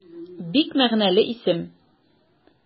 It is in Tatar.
Бик мәгънәле исем.